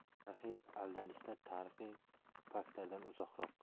tarixiy aldanishlar tarixiy faktlardan uzoqroq